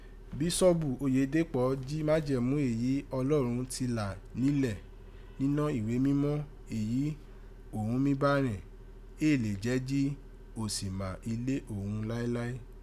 Biṣọọbu Oyedepo jí majẹmu èyí Ọlọrun ti la nílẹ ninọ́ iwe mimọ èyí òghun mi bá rẹ̀n éè lè jẹ jí osi mà ile òghun laelae.